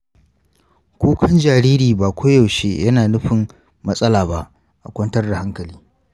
kukan jariri ba koyaushe yana nufin matsala ba; a kwantar da hankali.